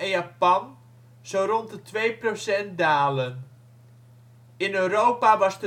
Japan zo rond de twee procent dalen, in Europa was